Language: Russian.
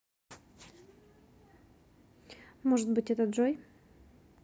может быть это джой